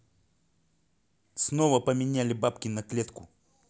снова поменяли бабки на клетку